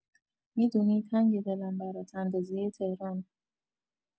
می‌دونی تنگه دلم برات اندازه تهران